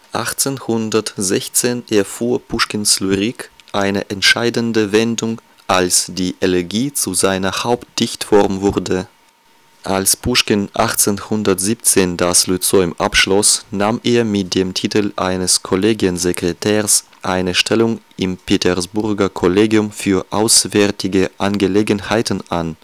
1816 erfuhr Puschkins Lyrik eine entscheidende Wendung, als die Elegie zu seiner Haupt-Dichtform wurde. Selbstbildnis von 1821 Datei:Alexander Sergejewitsch Puschkin.jpg Puschkin-Denkmal in Donezk Als Puschkin 1817 das Lyzeum abschloss, nahm er mit dem Titel eines Kollegiensekretärs eine Stellung im Petersburger Kollegium für Auswärtige Angelegenheiten an